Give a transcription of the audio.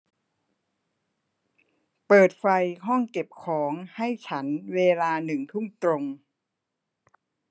เปิดไฟห้องเก็บของให้ฉันเวลาหนึ่งทุ่มตรง